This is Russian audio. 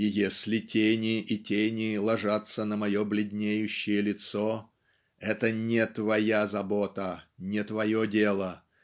И если тени и тени ложатся на мое бледнеющее лицо это не твоя забота не твое дело.